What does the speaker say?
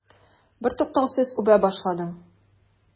Бертуктаусыз үбә башладың.